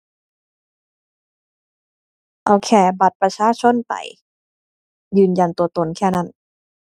เอาแค่บัตรประชาชนไป ยืนยันตัวตนแค่นั้น